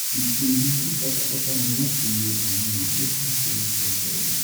”Ipinnu buburu patapata ni lati lo awọn maalu fun ipolongo ọja yii.